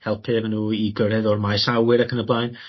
helpu efo n'w i gyrredd o'r maes awyr ac yn y blaen.